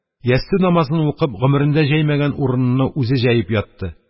Ястү намазыны укып, гомерендә җәймәгән урыныны үзе җәеп ятты.